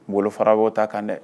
Golofara o t'a kan dɛ